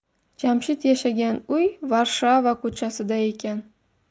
jamshid yashagan uy varshava ko'chasida ekan